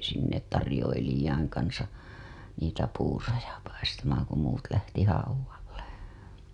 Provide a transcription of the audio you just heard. sinne tarjoilijoiden kanssa niitä puuroja paistamaan kun muut lähti haudalle